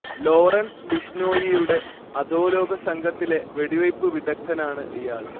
Lawrence ബിഷ്നോയിയുടെ അധോലോക സംഘത്തിലെ വെടിവെയ്പ്പ് വിദഗ്‌ദ്ധനാണ് ഇയാൾ